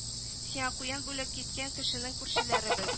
Сиңа куян бүләк иткән кешенең күршеләре без